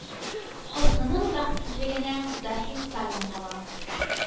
Халкының бәхетсезлегенә, “даһи” сталин кала.